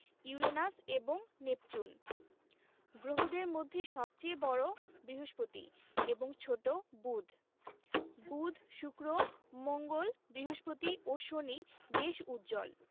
Uranus এবং Neptune গ্রহদের মধ্যে সবচেয়ে বড় বৃহস্পতি এবং ছোট বুধ বুধ শুক্র মঙ্গল বৃহস্পতি ও শনি বেশ উজ্জ্বল